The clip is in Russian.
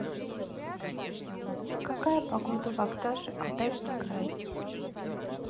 какая погода в акташе алтайский край